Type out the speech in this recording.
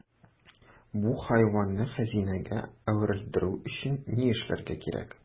Бу хайванны хәзинәгә әверелдерү өчен ни эшләргә кирәк?